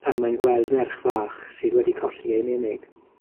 pan mae'n gweld merch fach sydd wedi colli ei menig.